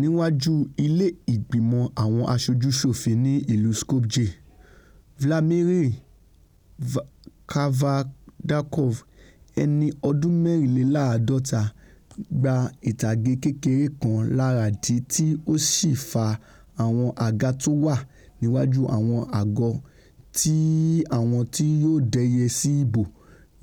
Níwájú ilé ìgbìmọ̀ àwọn aṣoju-ṣòfin ní ìlú Skopje, Vlamirir Kavardarkov, ẹni ọdún mẹ́rìnléláàádọ́ta, ńgba ìtàgé kékeré kan láradì tí ó sì fa àwọn àga tówà niwaju àwọn àgọ́ tí àwọn ti yóò dẹ́yẹ sí ìbò